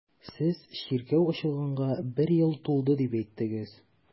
Сез чиркәү ачылганга бер ел тулды дип әйттегез.